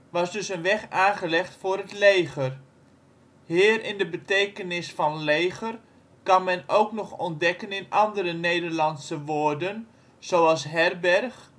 was dus een weg aangelegd voor het leger. Heer in de betekenis van leger kan men ook nog ontdekken in andere Nederlandse woorden, zoals herberg